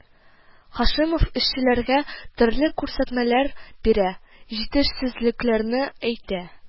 Һашимов эшчеләргә төрле күрсәтмәләр бирә, җитеш-сезлекләрне әйтә